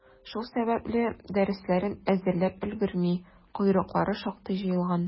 Шул сәбәпле, дәресләрен әзерләп өлгерми, «койрыклары» шактый җыелган.